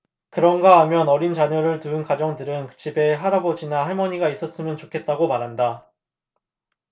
그런가 하면 어린 자녀를 둔 가정들은 집에 할아버지나 할머니가 있었으면 좋겠다고 말한다